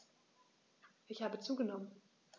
Ich habe zugenommen.